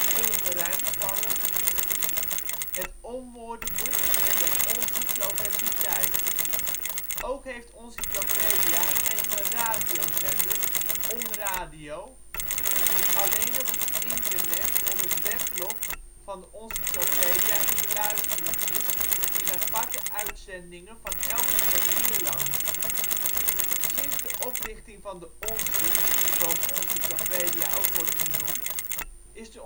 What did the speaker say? OnGerijmd vallen), het OnWoordenboek en de Oncycloversiteit. Ook heeft Oncyclopedia een eigen radiozender (OnRadio) die alleen op het internet op het weblog van de Oncyclopedia te beluisteren is in aparte uitzendingen van elk een kwartier lang. Sinds de oprichting van de Oncy (zoals Oncyclopedia ook wordt genoemd) is